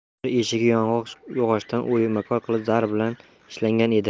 hujra eshigi yong'oq yog'ochidan o'ymakor qilib zar bilan ishlangan edi